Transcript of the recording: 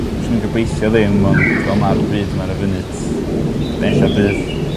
Rhwy'n gobeithio ddim ond fel ma'r byd 'ma ar y funut ella bydd